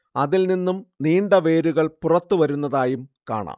അതിൽ നിന്നും നീണ്ട വേരുകൾ പുറത്തു വരുന്നതായും കാണാം